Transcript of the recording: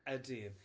Ydi.